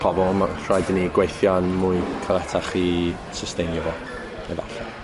pobol ma' rhaid i ni gweithio yn mwy caletach i systeinio fo. Efalle.